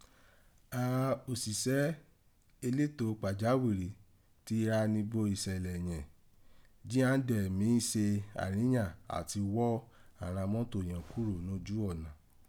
Àghan osusẹ elétò pàjáwìrì ti gha ni ibo iṣẹ̀lẹ̀ yẹn jí àn án dẹ̀ mí se aríyan ati gwọ́ àghan mátò yẹ̀n kúrò nojú ọ̀nà.